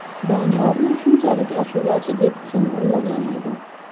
doniyorni shunchalik ashulachi deb kim o'ylagan edi